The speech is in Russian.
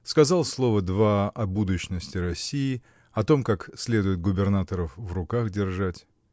сказал слова два о будущности России, о том, как следует губернаторов в руках держать